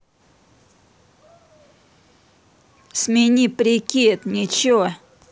смени прикид ниче